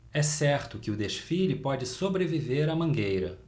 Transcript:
é certo que o desfile pode sobreviver à mangueira